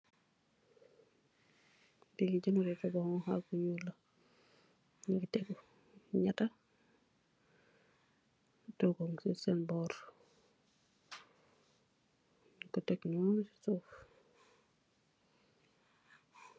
Lii generator bu xoñxa ak bu ñuul la, Mungi tegu ñetta. Yoogoñg si seen boor. Ta Tek noon si suuf.